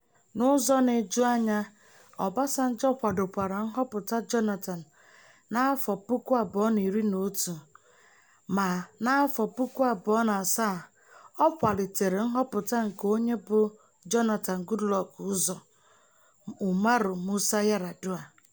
N'ụzọ na-eju anya, Obasanjo kwadokwara nhọpụta Jonathan na 2011. Ma na 2007, ọ kwalitere nhọpụta nke onye bu Jonathan Goodluck ụzọ, Umaru Musa Yar'Adua.